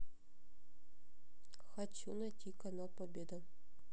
хочу найти канал победа